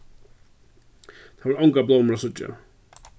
tað vóru ongar blómur at síggja